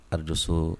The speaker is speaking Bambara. A dustur